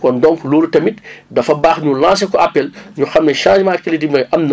kon donc loolu tamit dafa baax ñu lancer ko appel ñu xam ne changement am na